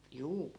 juu